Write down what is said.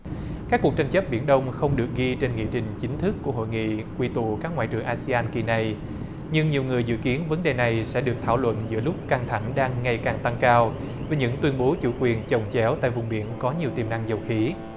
các cuộc tranh chấp biển đông không được ghi trên nghị trình chính thức của hội nghị quy tụ các ngoại trưởng a sê an kỳ này nhưng nhiều người dự kiến vấn đề này sẽ được thảo luận giữa lúc căng thẳng đang ngày càng tăng cao với những tuyên bố chủ quyền chồng chéo tại vùng biển có nhiều tiềm năng dầu khí